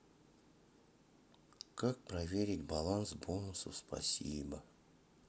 как проверить баланс бонусов спасибо